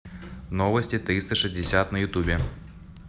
новости триста шестьдесят на ютубе